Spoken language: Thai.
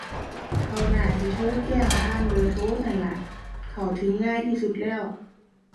เขาน่าสิโทรแจ้งผ่านเบอร์โทรนั่นล่ะ เข้าถึงง่ายที่สุดแล้ว